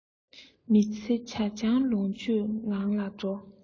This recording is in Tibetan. མི ཚེ ཇ ཆང ལོངས སྤྱོད ངང ལ འགྲོ